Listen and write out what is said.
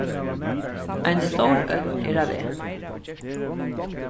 ein stór ódn er á veg